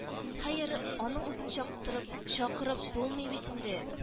Хәер, аның үзен чакыттырып чакырып булмый бит инде